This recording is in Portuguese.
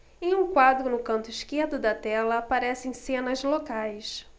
em um quadro no canto esquerdo da tela aparecem cenas locais